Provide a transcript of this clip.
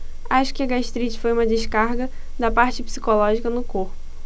acho que a gastrite foi uma descarga da parte psicológica no corpo